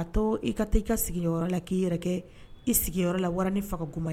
A i ka i ka sigiyɔrɔ la k'i yɛrɛ kɛ i sigiyɔrɔ la wari ni faga kuma